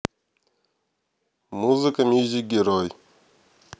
музыка music герой